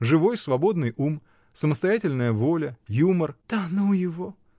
Живой, свободный ум, самостоятельная воля, юмор. — Да ну его!